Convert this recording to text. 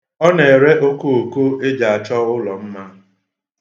Ọ na-ere okooko e ji achọ ụlọ mma.